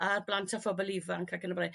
ar blant a phobl ifanc ac yn y blaen.